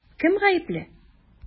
Кем гаепле?